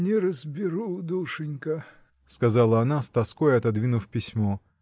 — Не разберу, душенька, — сказала она с тоской, отодвинув письмо.